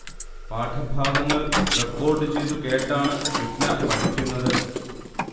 പാഠഭാഗങ്ങൾ റക്കോർഡ് ചെയ്തു കേട്ടാണു ഷിഫ്ന പഠിക്കുന്നത്